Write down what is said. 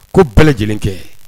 Ko bɛɛ lajɛlen kɛ